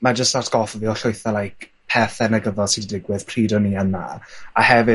ma' jyst atgoffa fi o llwyth o like pethe negyddol sy 'di ddigwydd pryd o'n i yna. A hefyd